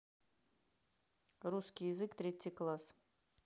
русский язык третий класс